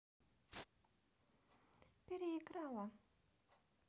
переиграла